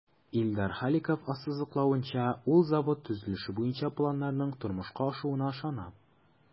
Илдар Халиков ассызыклавынча, ул завод төзелеше буенча планнарның тормышка ашуына ышана.